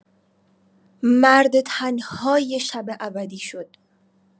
مرد تن‌های شب ابدی شد.